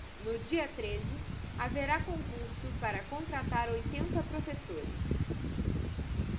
no dia treze haverá concurso para contratar oitenta professores